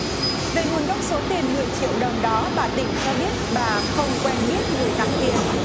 về nguồn gốc số tiền mười triệu đồng đó bà tỉnh cho biết bà không quen biết người tặng tiền